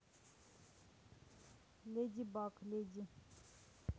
леди баг леди